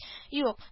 Юк…